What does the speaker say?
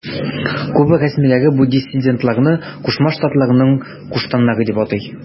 Куба рәсмиләре бу диссидентларны Кушма Штатларның куштаннары дип атый.